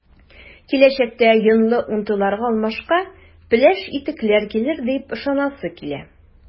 Киләчәктә “йонлы” унтыларга алмашка “пеләш” итекләр килер дип ышанасы килә.